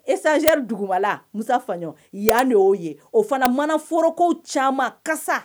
Esanzri dugumala musa fa yanni y'o ye o fana mana forooroko caman kasa